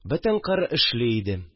Бөтен кыр эшли иде